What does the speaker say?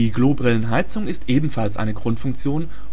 Klobrillenheizung ist ebenfalls eine Grundfunktion